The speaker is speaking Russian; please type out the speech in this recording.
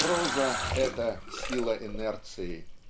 Проза -- это сила инерции